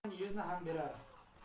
birni bergan yuzni ham berar